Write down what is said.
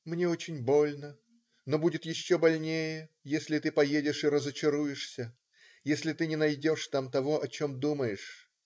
мне очень больно, но будет еще больнее, если ты поедешь и разочаруешься,-если ты не найдешь там того, о чем думаешь.